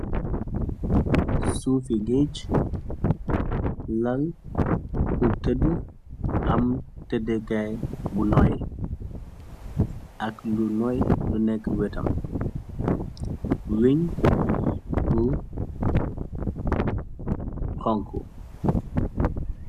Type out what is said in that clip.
suufi gace lal bu tëdd am tëddkaay bu noy ak lu noy lu nekk wetam wiñ bu honko